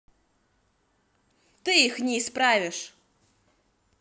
ты их не исправишь